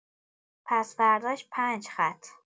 پس‌فرداش پنج خط.